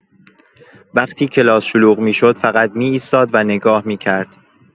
وقتی کلاس شلوغ می‌شد، فقط می‌ایستاد و نگاه می‌کرد.